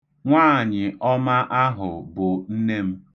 Nwaanyị ọma ahụ bụ nne m.